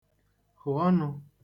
hụ̀ ọnụ̄